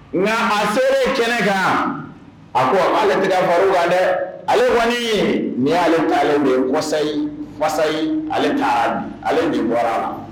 Nka a seere kɛlɛ kan a ko aleale tɛ fa wa dɛ ale kɔni ye nin y'ale ale don yesayisayi ale taara ale nin bɔra a la